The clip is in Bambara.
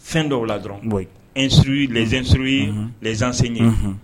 Fɛn dɔw la dɔrɔn; oui ; instruire, les instruire ;unhun;, les enseigner ;unhun;